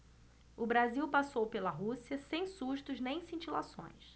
o brasil passou pela rússia sem sustos nem cintilações